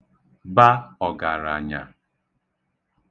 ba ọ̀gàrànyà